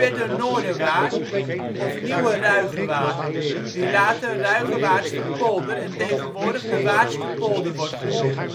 de Noorderwaard of (nieuwe) Ruigewaard, die later Ruigewaardsterpolder en tegenwoordig (De) Waardsterpolder wordt genoemd